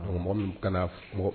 Mɔgɔ min kana mɔgɔ